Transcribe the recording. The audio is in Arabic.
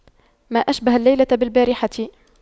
ما أشبه الليلة بالبارحة